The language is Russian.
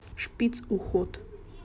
шпиц уход